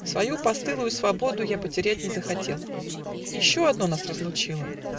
Свою постылую свободу Я потерять не захотел. Еще одно нас разлучило.